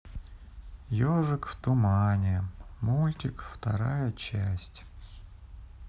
ежик в тумане мультик вторая часть